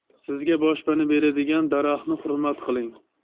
sizga boshpana beradigan daraxtni hurmat qiling